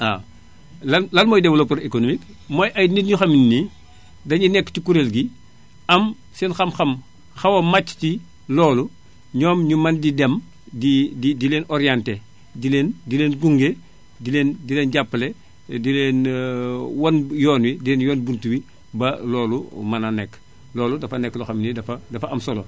waaw lan lan mooy développeur économique mooy ay nit ñoo xam ne nii dañu nekk ci kuréel gi am seen xam-xam xaw a màcc ci loolu ñoom ñu mën di dem di di leen orienté di leen di leen gunge di leen di leen jàppale di leen wan yoon wi di leen wan buntu bi ba loolu mën a nekk loolu dafa nekk loo xam ne nii dafa am solo